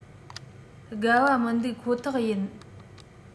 དགའ བ མི འདུག ཁོ ཐག ཡིན